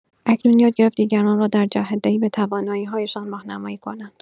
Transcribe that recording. اکنون یاد گرفت دیگران را در جهت‌دهی به توانایی‌هایشان راهنمایی کند.